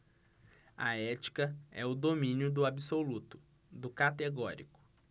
a ética é o domínio do absoluto do categórico